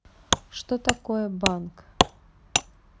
что такое банк